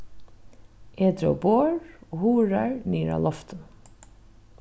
eg dró borð og hurðar niður av loftinum